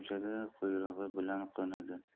uchadi quyrug'i bilan qo'nadi